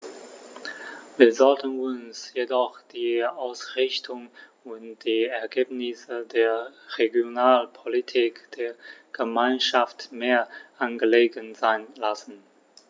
Wir sollten uns jedoch die Ausrichtung und die Ergebnisse der Regionalpolitik der Gemeinschaft mehr angelegen sein lassen.